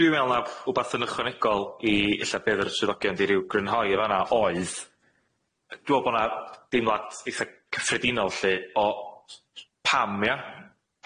Dwi'n me'wl na wbath yn ychwanegol i ella be' odd yr swyddogion di ryw grynhoi yn fan'na oedd dwi me'wl bo' 'na deimlad eitha cyffredinol lly o s- s- s- pam ia?